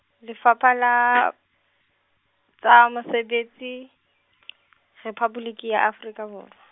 Lefapha la , tsa Mesebetsi, Rephaboliki ya Afrika Borwa.